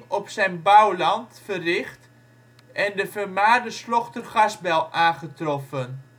op zijn bouwland verricht en de vermaarde Slochter gasbel aangetroffen